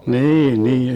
onko tuttu